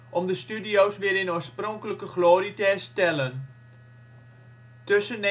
om de studio 's weer in oorspronkelijke glorie te herstellen. Tussen